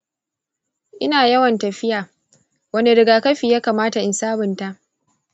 ina yawan tafiya; wane rigakafi ya kamata in sabunta?